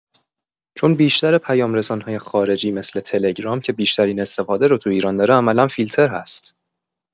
چون بیشتر پیام‌رسان‌های خارجی مثل تلگرام که بیشترین استفاده رو تو ایران داره عملا فیلتر هست.